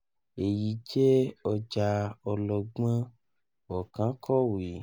Eyi jẹ ọja ọlọgbọn,"ọkan kọwe.